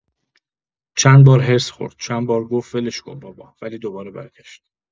چند بار حرص خورد، چند بار گفت «ولش کن بابا»، ولی دوباره برگشت.